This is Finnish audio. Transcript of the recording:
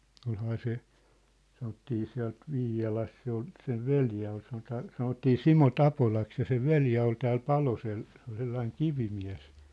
olihan se sanottiin sieltä Viialasta se oli sen veli oli sanotaan sanottiin Simo Tapolaksi ja sen veli oli täällä Palosella se oli sellainen kivimies